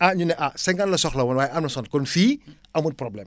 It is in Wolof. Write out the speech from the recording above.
ah ñu ne ah 50 la soxla woon waaye am na 60 kon fii amut problème